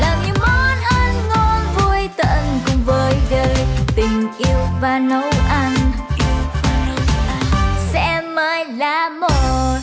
làm những món ăn ngon vui tận cùng với đời tình yêu và nấu ăn sẽ mãi là một